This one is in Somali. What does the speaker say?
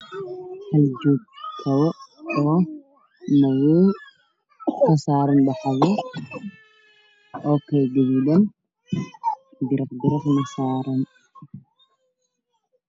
Haljoog kobo oo madow kasaran dhexda oky gadudan biraqbirq saran